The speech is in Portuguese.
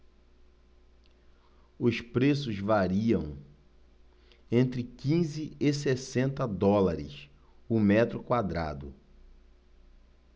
os preços variam entre quinze e sessenta dólares o metro quadrado